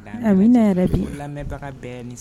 Nka ne yɛrɛ bɛ lamɛnbaga bɛɛ